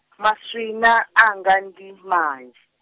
maswina, anga ndi, manzhi.